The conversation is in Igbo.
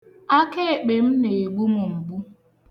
Akaekpe m na-egbu m mgbu.